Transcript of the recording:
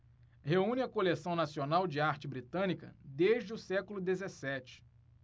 reúne a coleção nacional de arte britânica desde o século dezessete